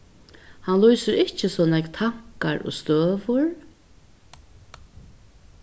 hann lýsir ikki so nógv tankar og støður